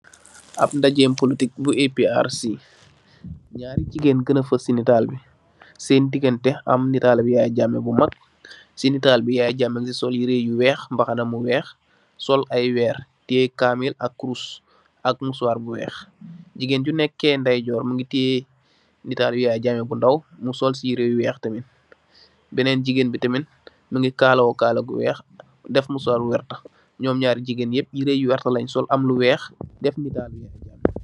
Am ndajeem polotik bu "APRC",ñarri jigéen gën si fës si nataal bi. Seen digente, am nataal li Yaaya, Jamé bu mag. Si nital bi, Yaaya Jamé mu ngi sol sol yirë yu weer, mbaxana, sol ay weer, tiye kaamil ak kurus ak musuwaar bu weex. Jigeen ji nekké ndeyjoor mu ngi tiye,